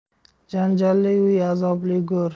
janjalli uy azobli go'r